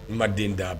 N ma den da